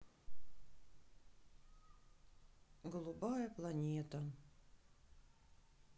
голубая планета